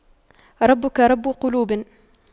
ربك رب قلوب